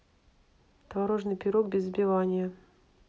творожный пирог без взбивания